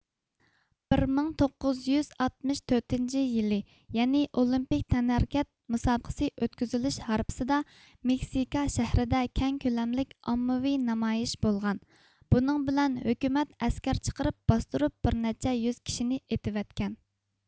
بىر مىڭ توققۇز يۈز ئاتمىش تۆتىنچى يىلى يەنى ئولىمپېك تەنھەرىكەت مۇسابىقىسى ئۆتكۈزۈلۈش ھارپىسىدا مېكسىكا شەھىرىدە كەڭ كۆلەملىك ئاممىۋى نامايىش بولغان بۇنىڭ بىلەن ھۆكۈمەت ئەسكەر چىقىرىپ باستۇرۇپ بىر نەچچە يۈز كىشىنى ئېتىۋەتكەن